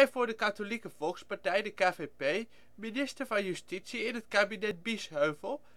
voor de Katholieke Volkspartij (KVP) minister van Justitie in het Kabinet-Biesheuvel